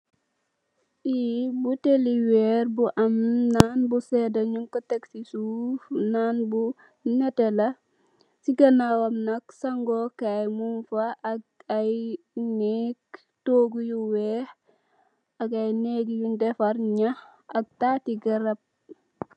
Fi bottèli wèèr bu am naan bu sedda ñing ko tèk ci suuf, naan bu netteh la, ci ganaw wam nak sangó Kai muñ fa ak ay nék, tóógu yu wèèx ak ay nék yun defarr rèè ñax at tatti garap.